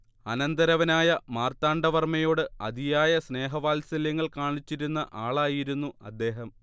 അനന്തരവനായ മാർത്താണ്ഡവർമ്മയോട് അതിയായ സ്നേഹവാത്സല്യങ്ങൾ കാണിച്ചിരുന്ന ആളായിരുന്നു അദേഹം